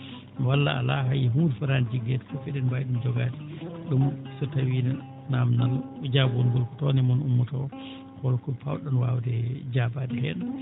walla alaa hay hunnde foraani jiggeede sabu eɗen mbaawi ɗum jogaade ɗum so tawii naamndal e jaabuwol ngol ko toon e mon ummotoo holko mbaawɗon waawde jaabaade heen